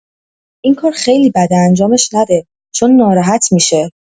این کار خیلی بده انجامش نده چون ناراحت می‌شه